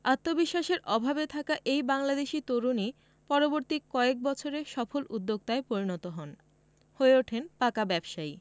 আত্মবিশ্বাসের অভাবে থাকা এই বাংলাদেশি তরুণই পরবর্তী কয়েক বছরে সফল উদ্যোক্তায় পরিণত হন হয়ে ওঠেন পাকা ব্যবসায়ী